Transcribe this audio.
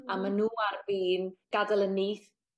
A ma' n'w ar fin gadel y nyth